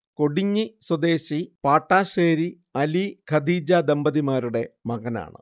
കൊടിഞ്ഞി സ്വദേശി പാട്ടശ്ശേരി അലി-ഖദീജ ദമ്പതിമാരുടെ മകനാണ്